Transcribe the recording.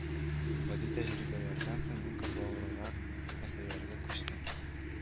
Гади тәҗрибәләрдән соң мин катлаулырак мәсьәләләргә күчтем